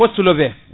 poste levé